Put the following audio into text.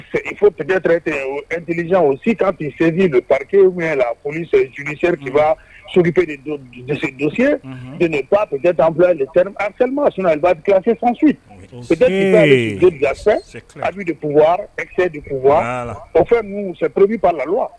Si pake lajsi tan sunjata abi dewa deuwa o fɛn fɛ pki'a la wa